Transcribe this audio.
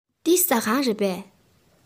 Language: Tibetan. འདི ཟ ཁང རེད པས